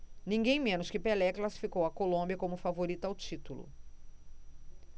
ninguém menos que pelé classificou a colômbia como favorita ao título